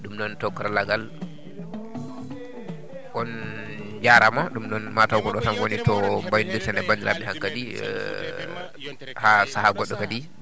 ɗum noon to karallagal on jarama ɗum noon mataw koɗo tan woni ko baynodirten e banndiraaɓe hankkadi haa sahaa goɗɗo kadi